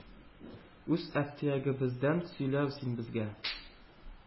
Үз әфтиягебездән сөйлә син безгә,-